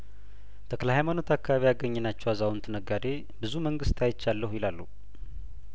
ተክለሀይማኖት አካባቢ ያገኘናቸው አዛውንት ነጋዴ ብዙ መንግስት አይቻለሁ ይላሉ